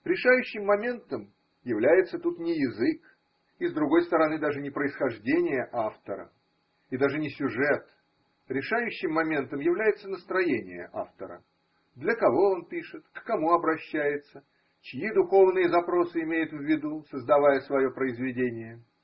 Решающим моментом является тут не язык, и с другой стороны даже не происхождение автора, и даже не сюжет: решающим моментом является настроение автора – для кого он пишет, к кому обращается, чьи духовные запросы имеет в виду, создавая свое произведение.